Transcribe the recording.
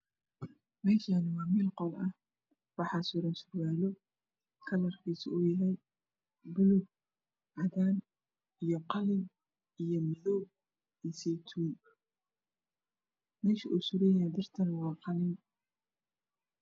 Meeshaani waa meel qol ah waxaa suran surwaalo kalarkiisu yahay buluug cagaar iyo qalin iyo madow iyo saytuun meedha uu suranyahay birtana waa qalin